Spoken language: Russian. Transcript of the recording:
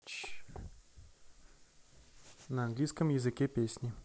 на английском языке песни